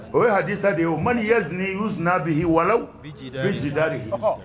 O ye hadisa de ye man yaz u sinaina bɛ'i wali bɛ zdri ye